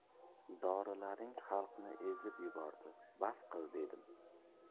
dorilaring xalqni ezib yubordi bas qil dedim